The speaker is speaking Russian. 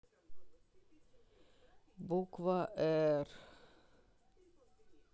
буква р